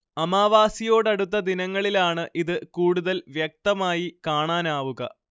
അമാവാസിയോടടുത്ത ദിനങ്ങളിലാണ് ഇത് കൂടുതൽ വ്യക്തമായി കാണാനാവുക